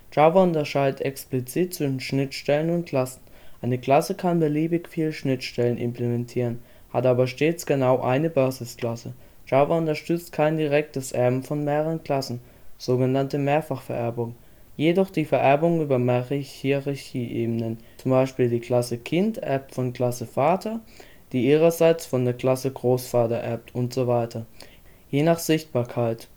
Java unterscheidet explizit zwischen Schnittstellen und Klassen. Eine Klasse kann beliebig viele Schnittstellen implementieren, hat aber stets genau eine Basisklasse. Java unterstützt kein direktes Erben von mehreren Klassen (sogenannte „ Mehrfachvererbung “), jedoch die Vererbung über mehrere Hierarchie-Ebenen (Klasse Kind erbt von Klasse Vater, die ihrerseits von Klasse Großvater erbt usw.). Je nach Sichtbarkeit